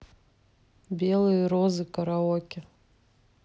белые розы караоке